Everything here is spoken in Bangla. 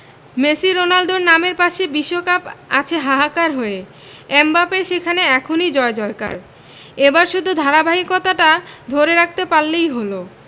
মেসি রোনালদোর নামের পাশে বিশ্বকাপ আছে হাহাকার হয়ে এমবাপ্পের সেখানে এখনই জয়জয়কার এবার শুধু ধারাবাহিকতাটা ধরে রাখতে পারলেই হলো